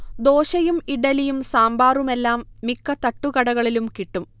ദോശയും ഇഡ്ഢലിയും സാമ്പാറുമെല്ലാം മിക്ക തട്ടുകടകളിലും കിട്ടും